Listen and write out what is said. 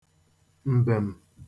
m̀bèm̀